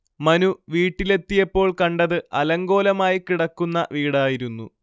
മനു വീട്ടിലെത്തിയപ്പോൾ കണ്ടത് അലങ്കോലമായി കിടക്കുന്ന വീടായിരുന്നു